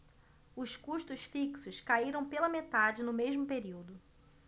os custos fixos caíram pela metade no mesmo período